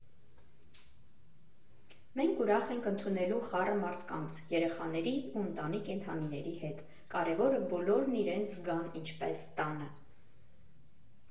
Մենք ուրախ ենք ընդունելու խառը մարդկանց՝ երեխաների ու ընտանի կենդանիների հետ, կարևորը բոլորն իրենց զգան ինչպես տանը»։